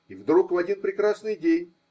И вдруг, в один прекрасный день.